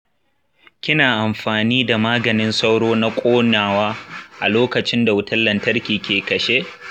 kina amfani da maganin sauro na ƙonawa a lokacin da wutan lantarki ke kashe?